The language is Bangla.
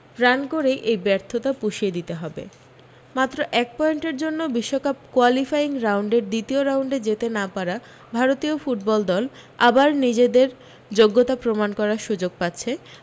রান করেই এই ব্যর্থতা পুষিয়ে দিতে হবে মাত্র এক পয়েন্টের জন্য বিশ্বকাপ কোয়ালিফাইং রাউন্ডের দ্বিতীয় রাউন্ডে যেতে না পারা ভারতীয় ফুটবল দল আবার নিজেদের যোগ্যতা প্রমাণ করার সু্যোগ পাচ্ছে